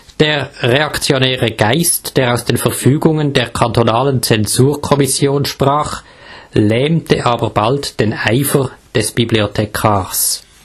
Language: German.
Der reaktionäre Geist, der aus den Verfügungen der kantonalen Zensurkommission sprach, lähmte aber bald den Eifer des Bibliothekars